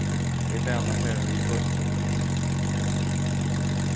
eg bað hana fara við tokinum